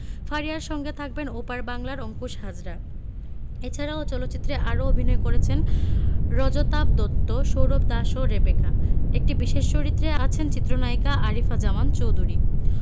ফারিয়ার সঙ্গে থাকবেন ওপার বাংলার অংকুশ হাজরা এছাড়াও চলচ্চিত্রে আরও অভিনয় করেছেন রজতাভ দত্ত সৌরভ দাস ও রেবেকা একটি বিশেষ চরিত্রে আছেন চিত্রনায়িকা আরিফা জামান চৌদুরী